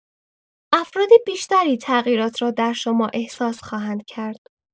افراد بیشتری تغییرات را در شما احساس خواهند کرد.